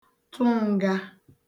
tụ ǹga